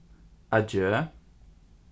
adjø